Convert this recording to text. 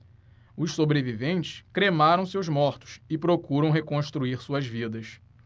os sobreviventes cremaram seus mortos e procuram reconstruir suas vidas